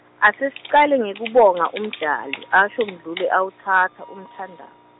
Asesicale ngekubonga umdali asho Mdluli awutsatsa umthanda-.